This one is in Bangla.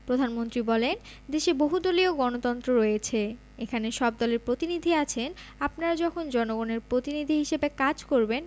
প্রধানমন্ত্রী বলেন দেশে বহুদলীয় গণতন্ত্র রয়েছে এখানে সব দলের প্রতিনিধি আছেন আপনারা যখন জনগণের প্রতিনিধি হিসেবে কাজ করবেন